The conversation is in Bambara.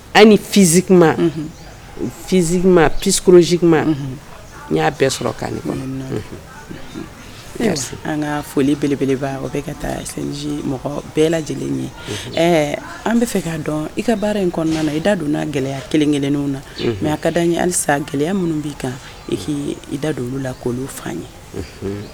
An nikiksi n'a bɛɛ sɔrɔ k' min na an ka foli belebelebaga o bɛ ka taa mɔgɔ bɛɛ lajɛlen ye an bɛ fɛ k'a dɔn i ka baara in kɔnɔna na i da donna n' gɛlɛya kelen kelen na mɛ ka dan ye halisa gɛlɛya minnu b'i kan i i da don olu lakolon fan ye